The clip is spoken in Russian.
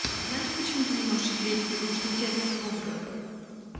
а знаешь почему ты не можешь ответить потому что у тебя нет мозга